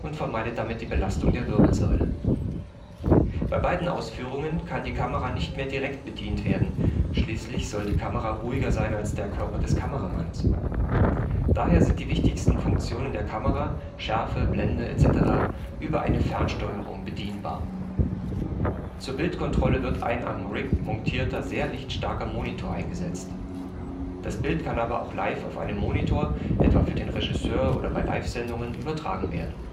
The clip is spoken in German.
vermeidet damit die Belastung der Wirbelsäule. Bei beiden Ausführungen kann die Kamera nicht mehr direkt bedient werden, schließlich soll die Kamera ruhiger sein als der Körper des Kameramannes. Daher sind die wichtigsten Funktionen der Kamera (Schärfe, Blende etc.) über eine Fernsteuerung bedienbar. Zur Bildkontrolle wird ein am Rig montierter sehr lichtstarker Monitor eingesetzt. Das Bild kann aber auch live auf einen Monitor (etwa für den Regisseur oder bei Live-Sendungen) übertragen werden